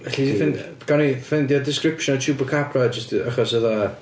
Alli di ffein-... Gawn ni ffeindio description Chupacabra jyst achos fatha...